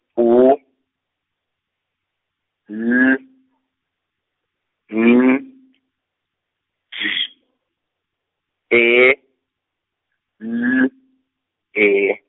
U, L, N, D, E, L, E.